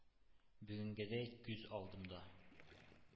Бүгенгедәй күз алдымда...